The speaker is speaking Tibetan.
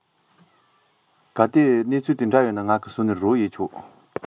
གལ ཏེ གནད དོན འདྲ ཡོད ན ངས ཟུར ནས རོགས རམ བྱས ཆོག